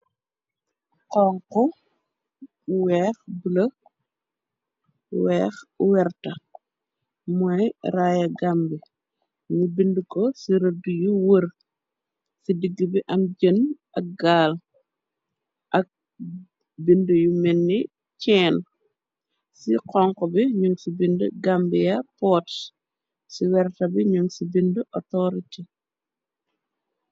xonk weex ble weex werta mooy raaye gambi nyu bindi ko ci rëdd yu wër ci digg bi am jen ak gaal ak bindi yu ménni ceen ci xonk bi ñun ci bindi gambia ports ci werta bi ñon ci bind authority